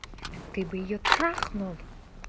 ты бы ее трахнул